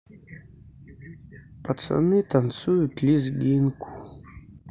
пацаны танцуют лезгинку